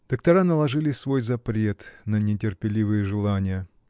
Доктора положили свои запрет на нетерпеливые желания.